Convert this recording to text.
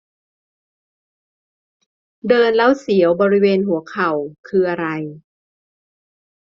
เดินแล้วเสียวบริเวณหัวเข่าคืออะไร